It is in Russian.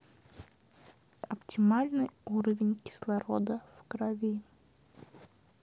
оптимальный уровень кислорода в крови